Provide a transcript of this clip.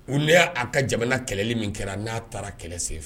U y'a'a ka jamana kɛlɛli min kɛra n'a taara kɛlɛ sen fɛ